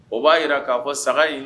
O b'a yira k'a fɔ saga in